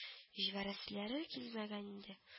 Җибәрәселәре килмәгән иде